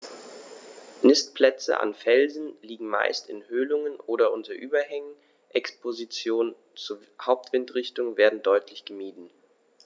Nistplätze an Felsen liegen meist in Höhlungen oder unter Überhängen, Expositionen zur Hauptwindrichtung werden deutlich gemieden.